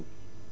dëgg la